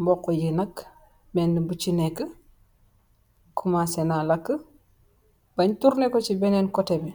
mbox yi nakk menn bu ci nekk kuma sena lakk bañ turné ko ci beneen koté bi